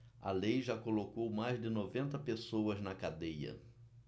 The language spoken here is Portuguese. a lei já colocou mais de noventa pessoas na cadeia